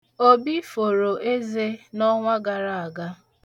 Obi foro eze n'ọnwa gara aga.